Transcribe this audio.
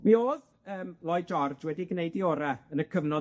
Mi o'dd yym Lloyd George wedi gwneud 'i ora' yn y cyfnod